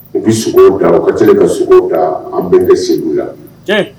U bɛ sogo ga katɛ ka sogo ta an bere sedu la